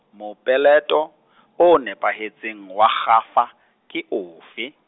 mopeleto , o nepahetseng wa kgafa, ke ofe?